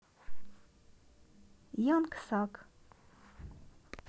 young thug